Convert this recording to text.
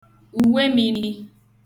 ùwe mini